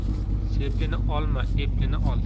seplini olma eplini ol